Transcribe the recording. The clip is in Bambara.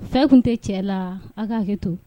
Fɛn tun tɛ cɛ la? a k'a hakɛ to.